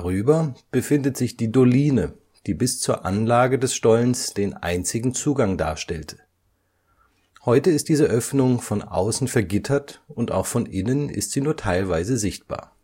Höhle. Darüber befindet sich die Doline, die bis zur Anlage des Stollens den einzigen Zugang darstellte. Heute ist diese Öffnung von außen vergittert, auch von innen ist sie nur teilweise sichtbar